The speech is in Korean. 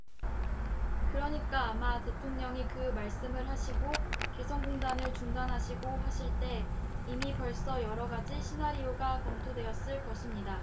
그러니까 아마 대통령이 그 말씀을 하시고 개성공단을 중단하시고 하실 때 이미 벌써 여러 가지 시나리오가 검토되었을 것입니다